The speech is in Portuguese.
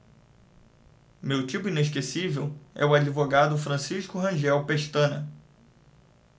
meu tipo inesquecível é o advogado francisco rangel pestana